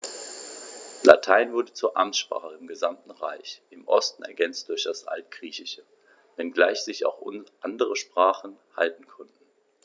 Latein wurde zur Amtssprache im gesamten Reich (im Osten ergänzt durch das Altgriechische), wenngleich sich auch andere Sprachen halten konnten.